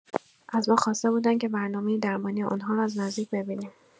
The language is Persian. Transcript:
از ما خواسته بودند که برنامه درمانی آن‌ها را از نزدیک ببینیم.